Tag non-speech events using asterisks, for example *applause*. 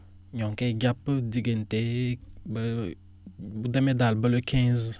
ñoo ngi koy jàpp diggante *hesitation* ba bu demee daal ba le quinze